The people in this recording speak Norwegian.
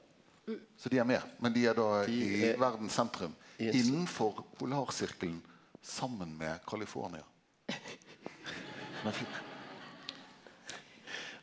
så dei er med men dei er då i verdas sentrum innanfor polarsirkelen saman med California.